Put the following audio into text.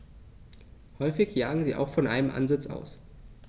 Häufig jagen sie auch von einem Ansitz aus.